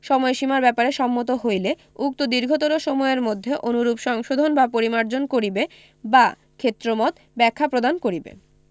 সময়সীমার ব্যাপারে সম্মত হইলে উক্ত দীর্ঘতর সময়ের মধ্যে অনুরূপ সংশোধন বা পরিমার্জন করিবে বা ক্ষেত্রমত ব্যাখ্যা প্রদান করিবে